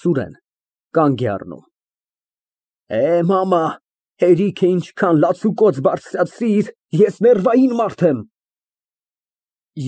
ՍՈՒՐԵՆ ֊ (Կանգ է առնում) Է, մամա, հերիք է ինչքան լացուկոծ բարձրացրիր, ես ներվային մարդ եմ։